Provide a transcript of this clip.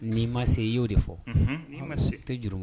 Nii ma se y'o de fɔ tɛ juru ma